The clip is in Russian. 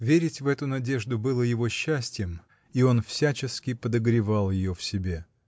Верить в эту надежду было его счастьем — и он всячески подогревал ее в себе.